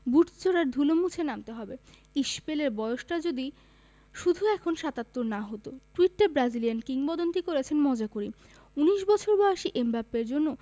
বুটজোড়ার ধুলো মুছে নামতে হবে ইশ্ পেলের বয়সটা যদি শুধু এখন ৭৭ না হতো টুইটটা ব্রাজিল কিংবদন্তি করেছেন মজা করেই ১৯ বছর বয়সী এমবাপ্পের জন্য